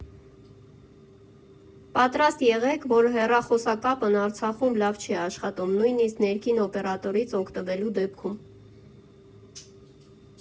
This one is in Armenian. Պատրաստ եղեք, որ հեռախոսակապն Արցախում լավ չի աշխատում նույնիսկ ներքին օպերատորից օգտվելու դեպքում։